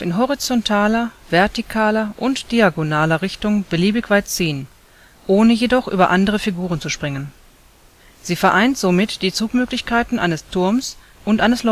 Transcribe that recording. horizontaler, vertikaler und diagonaler Richtung beliebig weit ziehen, ohne jedoch über andere Figuren zu springen. Sie vereint somit die Zugmöglichkeiten eines Turms und eines